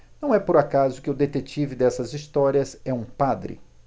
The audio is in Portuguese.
não é por acaso que o detetive dessas histórias é um padre